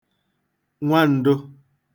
nwan̄dụ̄